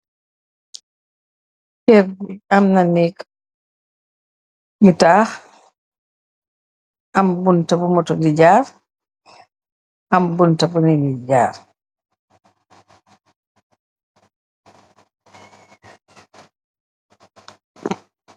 Kerr bi am na nekk gi taah, am bunta bu motor di jaar, am bunta bu nityi di jaar.